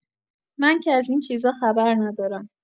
من که از این چیزا خبر ندارم.